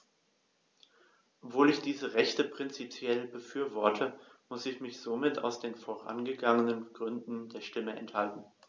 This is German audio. Obwohl ich diese Rechte prinzipiell befürworte, musste ich mich somit aus den vorgenannten Gründen der Stimme enthalten.